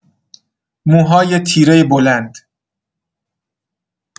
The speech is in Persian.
موهای تیره بلند